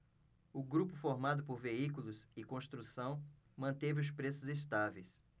o grupo formado por veículos e construção manteve os preços estáveis